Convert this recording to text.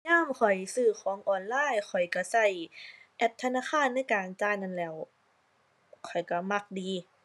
ยามข้อยซื้อของออนไลน์ ข้อยก็ก็แอปธนาคารในการจ่ายนั้นแหล้ว ข้อยก็มักดี